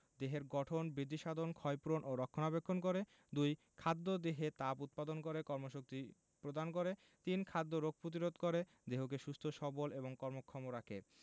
দেহের গঠন বৃদ্ধিসাধন ক্ষয়পূরণ ও রক্ষণাবেক্ষণ করে ২. খাদ্য দেহে তাপ উৎপাদন করে কর্মশক্তি প্রদান করে ৩. খাদ্য রোগ প্রতিরোধ করে দেহকে সুস্থ সবল এবং কর্মক্ষম রাখে